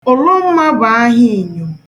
Ụlụmma bụ aha inyom.